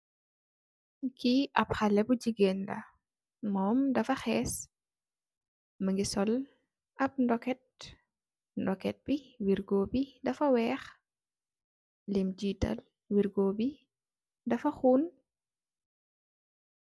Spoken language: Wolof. Ki ap xalèh bu gigeen la, mom dafa xees. Mugi sol ap ndoket , ndoket bi wirgo bi dafa wèèx, lim giital wirgo bi dafa xoon.